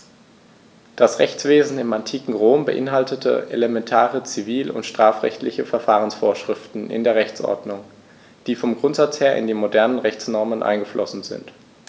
Das Rechtswesen im antiken Rom beinhaltete elementare zivil- und strafrechtliche Verfahrensvorschriften in der Rechtsordnung, die vom Grundsatz her in die modernen Rechtsnormen eingeflossen sind.